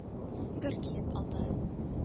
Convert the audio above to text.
Гөр килеп алды.